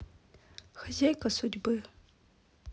хозяйка судьбы